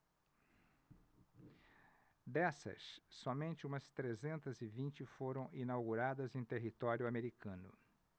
dessas somente umas trezentas e vinte foram inauguradas em território americano